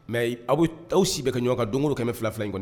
Mɛ aw bɛ aw si bɛ kaɲɔgɔn kan donkoro kɛmɛ bɛ fila in kɔnɔ